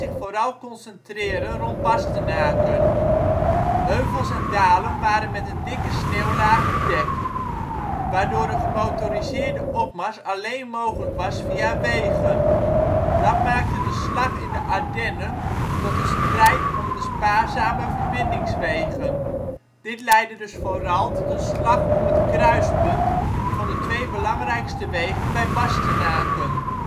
vooral concentreren rond Bastenaken. Heuvels en dalen waren met een dikke sneeuwlaag bedekt, waardoor een gemotoriseerde opmars alleen mogelijk was via wegen. Dat maakte de slag in de Ardennen tot een strijd om de spaarzame verbindingswegen. Dit leidde dus vooral tot een slag om het kruispunt van de twee belangrijkste wegen bij Bastenaken